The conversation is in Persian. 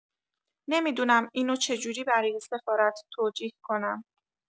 نمی‌دونم اینو چجوری برای سفارت توجیه کنم.